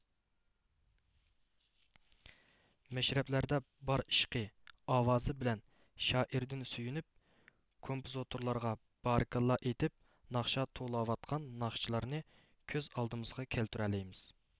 مەشرەپلەردە بار ئىشقى ئاۋازى بىلەن شائىردىن سۆيۈنۈپ كومپوزىتورلارغا بارىكاللا ئېيتىپ ناخشا توۋلاۋاتقان ناخشىچىلارنى كۆز ئالدىمىزغا كەلتۈرەلەيمىز